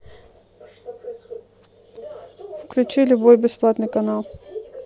включи любой бесплатный канал